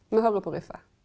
me høyrer på riffet.